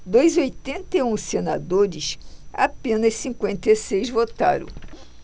dos oitenta e um senadores apenas cinquenta e seis votaram